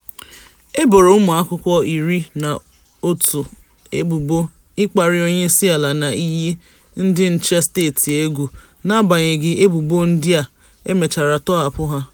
E boro ụmụakwụkwọ iri na otu ebubo "ịkparị onyeisiala" na "iyi ndị nche steeti egwu" n'agbanyeghị ebubo ndị a, e mechara tọhapụ ha.